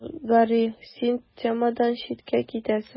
Гарри: Син темадан читкә китәсең.